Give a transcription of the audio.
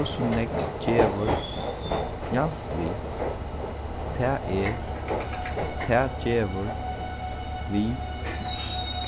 hvussu nógv gevur javnt við tað er tað gevur við